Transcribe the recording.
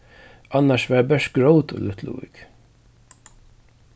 annars var bert grót í lítluvík